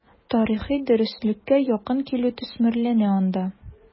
Тарихи дөреслеккә якын килү төсмерләнә анда.